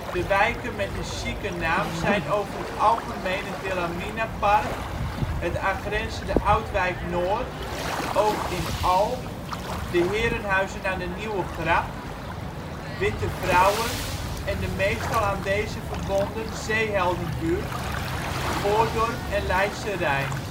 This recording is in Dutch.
De wijken met een chique naam zijn over het algemeen het Wilhelminapark, het aangrenzende Oudwijk-Noord, Oog in Al, de herenhuizen aan de Nieuwegracht, Wittevrouwen (kant van de Biltstraat) en de meestal aan deze verbonden Zeeheldenbuurt: Voordorp, en Leidsche Rijn